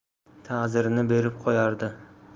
ta'zirini berib qo'yardi